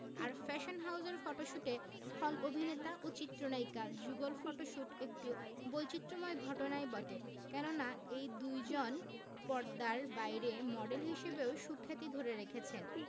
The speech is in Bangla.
আর ফ্যাশন হাউজের ফটোশুটে খল অভিনেতা ও চিত্রনায়িকার যুগল ফটোশুট একটু বৈচিত্রময় ঘটনাই বটে কেননা এই দুইজন পর্দার বাইরে মডেল হিসেবেও সুখ্যাতি ধরে রেখেছেন